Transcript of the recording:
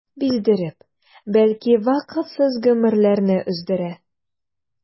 Биздереп, бәлки вакытсыз гомерләрне өздерә.